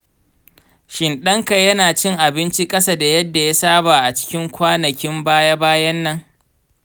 shin ɗanka yana cin abinci ƙasa da yadda ya saba a cikin kwanakin baya-bayan nan?